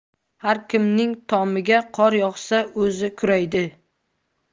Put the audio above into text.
har kimning tomiga qor yog'sa o'zi kuraydi